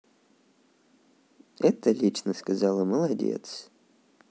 это лично сказала молодец